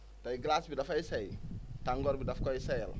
tey glace bi dafay seey tàngoor bi daf koy seeyal